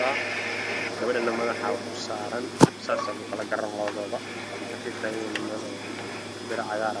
laakiin waxaa lagu kala garan gabadha waxay wadataa goofi i taagan yihiin waa birr cagaar